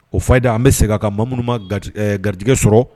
O fa' da an bɛ segin a ka ma minnu garijɛgɛ sɔrɔ